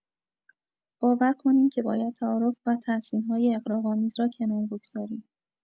باور کنیم که باید تعارف و تحسین‌های اغراق‌آمیز را کنار بگذاریم.